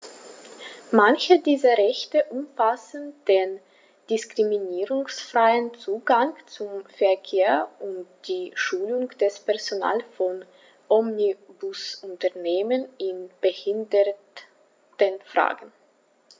Manche dieser Rechte umfassen den diskriminierungsfreien Zugang zum Verkehr und die Schulung des Personals von Omnibusunternehmen in Behindertenfragen.